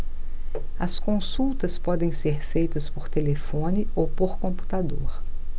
as consultas podem ser feitas por telefone ou por computador